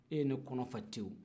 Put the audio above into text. e ye ne kɔnɔ fa tewu